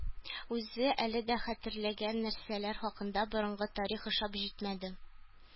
Үзе әле дә хәтерләгән нәрсәләр хакында борынгы тарих ошап җитмәде